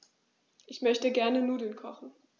Ich möchte gerne Nudeln kochen.